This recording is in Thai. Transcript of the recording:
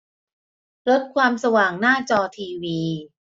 ลดความสว่างหน้าจอทีวี